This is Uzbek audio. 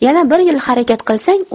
yana bir yil harakat qilsang